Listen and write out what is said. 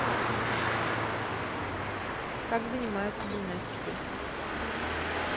как занимаются гимнастикой